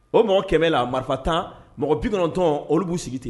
O mɔgɔ kɛmɛ la marifa tan mɔgɔ 90 olu b'u sigi ten yen